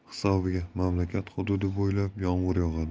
hisobiga mamlakat hududi bo'ylab yomg'ir yog'adi